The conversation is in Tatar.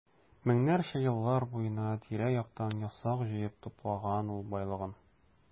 Меңнәрчә еллар буена тирә-яктан ясак җыеп туплаган ул байлыгын.